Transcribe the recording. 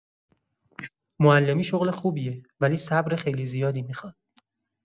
معلمی شغل خوبیه، ولی صبر خیلی زیادی می‌خواد.